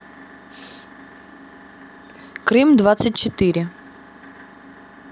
крым двадцать четыре